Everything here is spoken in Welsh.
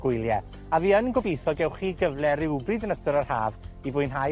gwylie, a fi yn gobitho gewch chi gyfle rywbryd yn ystod yr Haf i fwynhau